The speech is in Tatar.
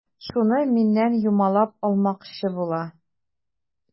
Шуны миннән юмалап алмакчы була.